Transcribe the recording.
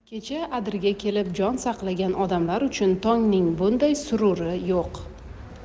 kecha adirga kelib jon saqlagan odamlar uchun tongning bunday sururi yo'q